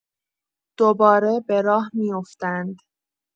دوباره به راه می‌افتادند.